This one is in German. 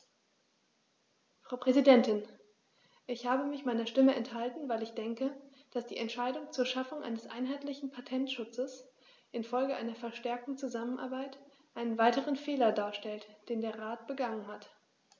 Frau Präsidentin, ich habe mich meiner Stimme enthalten, weil ich denke, dass die Entscheidung zur Schaffung eines einheitlichen Patentschutzes in Folge einer verstärkten Zusammenarbeit einen weiteren Fehler darstellt, den der Rat begangen hat.